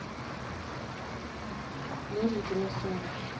нужен круассан